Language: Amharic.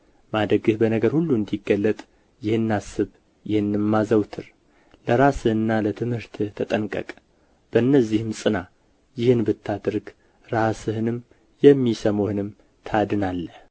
ማደግህ በነገር ሁሉ እንዲገለጥ ይህን አስብ ይህንም አዘውትር ለራስህና ለትምህርትህ ተጠንቀቅ በእነዚህም ጽና ይህን ብታደርግ ራስህንም የሚሰሙህንም ታድናለህና